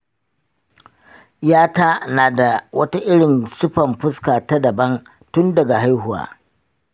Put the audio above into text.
yata na da wata irin sufan fuska ta daban tun daga haihuwa.